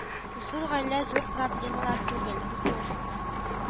ЗУР ГАИЛӘ ЗУР ПРОБЛЕМАЛАР ТҮГЕЛ, ЗУР